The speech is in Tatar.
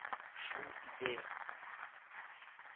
Шул иде